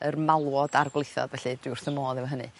yr malwod a'r gwlithodd felly dwi wrth 'ym modd efo hynny.